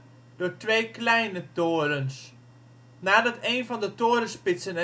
twee kleine torens. Nadat een van de torenspitsen